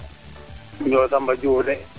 miyo mi Samba Diouf de